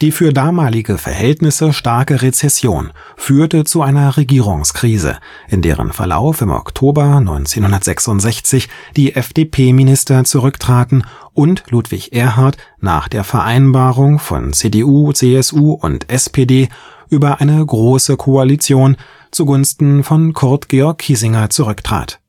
für damalige Verhältnisse starke Rezession führte zu einer Regierungskrise, in deren Verlauf im Oktober 1966 die FDP-Minister zurücktraten und Ludwig Erhard nach der Vereinbarung von CDU/CSU und SPD über eine Große Koalition zu Gunsten von Kurt Georg Kiesinger zurücktrat